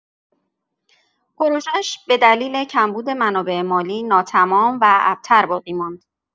پروژه‌اش به دلیل کمبود منابع مالی ناتمام و ابتر باقی ماند.